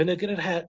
cynygyr yr he-